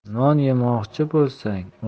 non yemoqchi bo'lsang